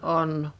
on